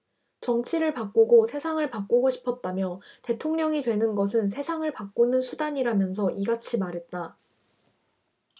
정치를 바꾸고 세상을 바꾸고 싶었다며 대통령이 되는 것은 세상을 바꾸는 수단이라면서 이같이 말했다